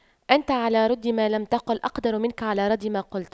أنت على رد ما لم تقل أقدر منك على رد ما قلت